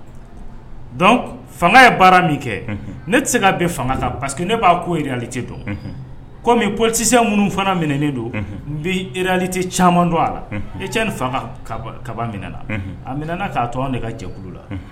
Donc Fanga ye baara min kɛ, ne tɛ se ka bin fanga kan parce que ne b' a ko réalité dɔn komi politisiyɛ minnu fana minɛnen don nbɛ realité caaman don a la Etienne Fakaba minɛna a minɛna ka to anw de ka jɛkulu la.unhun